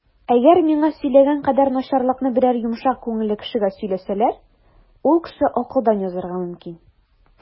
Әгәр миңа сөйләгән кадәр начарлыкны берәр йомшак күңелле кешегә сөйләсәләр, ул кеше акылдан язарга мөмкин.